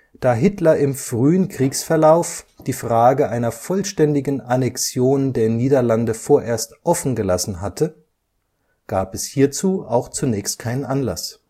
Da Hitler im frühen Kriegsverlauf die Frage einer vollständigen Annexion der Niederlande vorerst offen gelassen hatte (Hoffnung auf Friedensschluss mit Großbritannien, Bedeutung der niederländischen Kolonien), gab es hierzu auch zunächst keinen Anlass